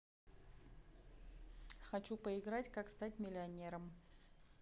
хочу поиграть как стать миллионером